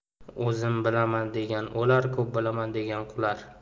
o'zim bilaman degan o'lar ko'p bilaman degan qular